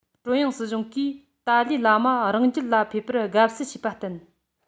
ཀྲུང དབྱང སྲིད གཞུང གིས ཏཱ ལའི བླ མ རང རྒྱལ ལ ཕེབས པར དགའ བསུ བྱེད པ བསྟན